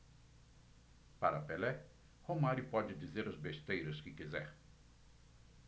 para pelé romário pode dizer as besteiras que quiser